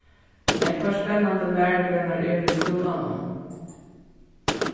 nógvar spennandi lærugreinar eru í skúlanum